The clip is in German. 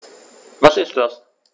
Was ist das?